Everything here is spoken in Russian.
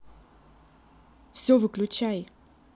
все выключай